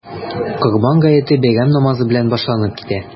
Корбан гаете бәйрәм намазы белән башланып китә.